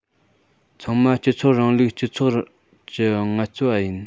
ཚང མ སྤྱི ཚོགས རིང ལུགས སྤྱི ཚོགས ཀྱི ངལ རྩོལ པ ཡིན